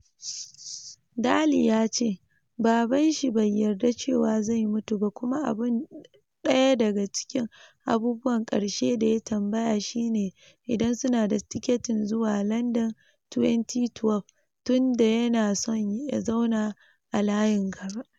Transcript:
Daley ya ce baban shi bai yarda cewa zai mutu ba kuma abun daya daga cikin abubuwan karshe da ya tambaya shi ne idan su na da tiketin su zuwa Landan 2012 - tun da yana son ya zauna a layin gaba.